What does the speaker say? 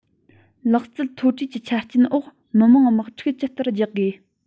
ལག རྩལ མཐོ གྲས ཀྱི ཆ རྐྱེན འོག མི དམངས དམག འཁྲུག ཇི ལྟར རྒྱག དགོས